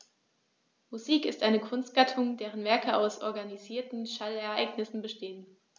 Musik ist eine Kunstgattung, deren Werke aus organisierten Schallereignissen bestehen.